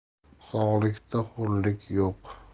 sog'likda xo'rlik yo'q